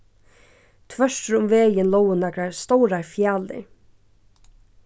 tvørtur um vegin lógu nakrar stórar fjalir